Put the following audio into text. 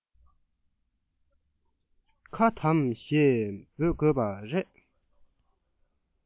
ཁ དམ ཞེས འབོད དགོས པ རེད